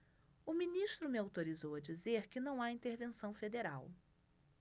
o ministro me autorizou a dizer que não há intervenção federal